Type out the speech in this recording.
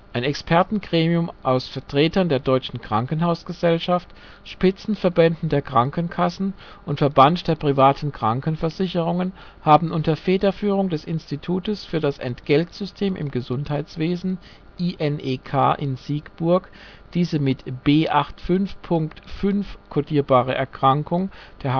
Expertengremium aus Vertretern der Deutschen Krankenhausgesellschaft, Spitzenverbänden der Krankenkassen und Verband der privaten Krankenversicherungen haben unter Federführung des Institutes für das Entgeltsystem im Gesundheitswesen (InEK, Siegburg) diese mit B85.5 kodierbare Erkrankung der